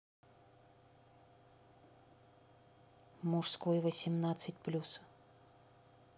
мужской восемнадцать плюс